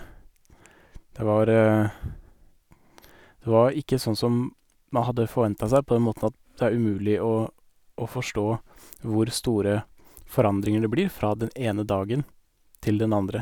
det var Det var ikke sånn som man hadde forventa seg, på den måten at det er umulig å å forstå hvor store forandringer det blir, fra den ene dagen til den andre.